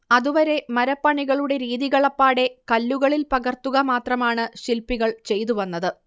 അതുവരെ മരപ്പണികളുടെ രീതികൾ അപ്പാടെ കല്ലുകളിൽ പകർത്തുക മാത്രമാണ് ശില്പികൾ ചെയ്തുവന്നത്